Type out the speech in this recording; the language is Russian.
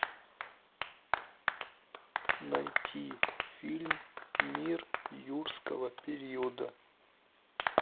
найти фильм мир юрского периода